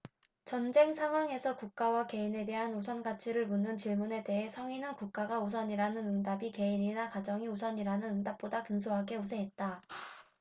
전쟁 상황에서 국가와 개인에 대한 우선가치를 묻는 질문에 대해 성인은 국가가 우선이라는 응답이 개인이나 가정이 우선이라는 응답보다 근소하게 우세했다